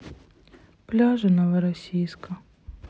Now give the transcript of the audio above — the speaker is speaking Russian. пляжи новороссийска